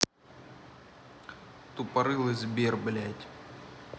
тупорылый сбер блядь